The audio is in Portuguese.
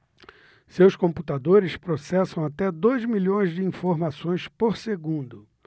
seus computadores processam até dois milhões de informações por segundo